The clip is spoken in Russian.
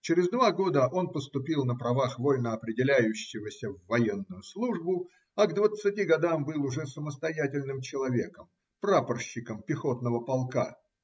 Через два года он поступил на правах вольноопределяющегося в военную службу, а к двадцати годам был уже самостоятельным человеком, прапорщиком пехотного полка.